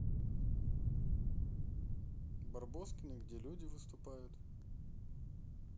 барбоскины где люди выступают